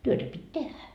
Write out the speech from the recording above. työtä piti tehdä